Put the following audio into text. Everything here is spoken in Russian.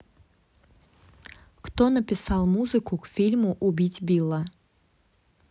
кто написал музыку к фильму убить билла